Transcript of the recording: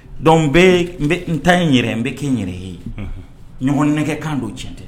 Donc n be, n ta ye n yɛrɛ . N be kɛ n yɛrɛ ye. Unhun ɲɔgɔn nɛgɛn kan don cɛn tɛ.